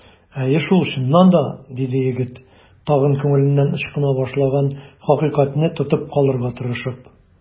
Әйе шул, чыннан да! - диде егет, тагын күңеленнән ычкына башлаган хакыйкатьне тотып калырга тырышып.